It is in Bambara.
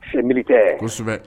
C'est militaire kosɛbɛ